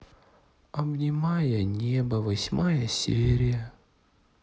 обнимая небо восьмая серия